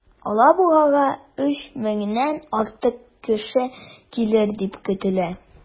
Алабугага 3 меңнән артык кеше килер дип көтелә.